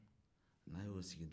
n'a y'o sigi i da la